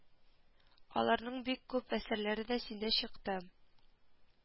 Аларның бик күп әсәрләре дә синдә чыкты